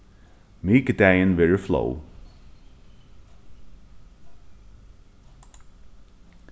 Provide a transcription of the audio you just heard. mikudagin verður flóð